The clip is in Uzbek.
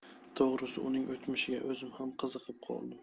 to'g'risi uning o'tmishiga o'zim ham qiziqib qoldim